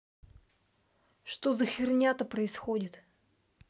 что за херня то происходит